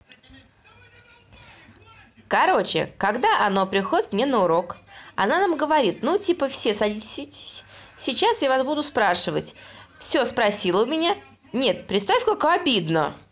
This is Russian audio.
короче когда оно приходит мне на урок она нам говорит ну типа все садись сейчас я вас буду спрашивать все спросила у меня нет представь как обидно